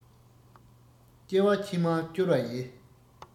སྐྱ བ ཕྱི མར བཅོལ བ ཡི